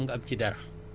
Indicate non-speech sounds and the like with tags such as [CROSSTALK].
[HESITATION] [HESITATION]